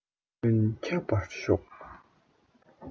ཕྱོགས ཀུན ཁྱབ པར ཤོག